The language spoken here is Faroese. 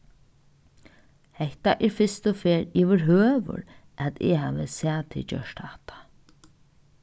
hetta er fyrstu ferð yvirhøvur at eg havi sæð teg gjørt hatta